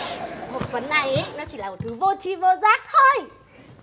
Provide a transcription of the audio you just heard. hộp phấn này ấy nó chỉ là thứ vô tri vô giác thôi